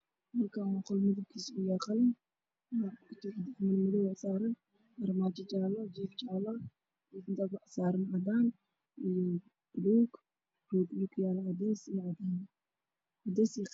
Halkaan waxaa ka muuqdo sariir nafar iyo bar ah oo joori saaran yahay marada saaran midabkeedu waa buluug iyo cadaan sariita midabkeeda waa jaalo armaajadana waa jaalo daahana waa qaxwi